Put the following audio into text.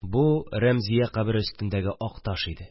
Бу – Рәмзия кабере өстендәге ак таш иде